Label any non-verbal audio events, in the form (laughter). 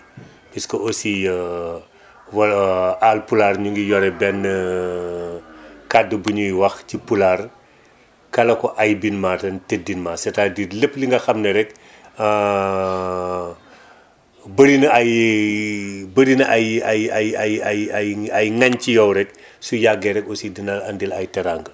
puisque aussi (hesitation) wala alpulaar ñu ngi yore benn (hesitation) kàddu bu ñuy wax ci pulaar c' est à dire lépp li nga xam ne rek (hesitation) bëri na ay bëri na ay ay ay ay ay ay ay ngaañ ci yow rek su yàggee rek aussi dina la andil ay teraanga